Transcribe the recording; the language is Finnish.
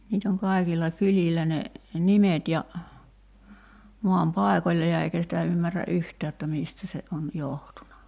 niitä on kaikilla kylillä ne nimet ja maan paikoilla ja eikä sitä ymmärrä yhtään jotta mistä se on johtunut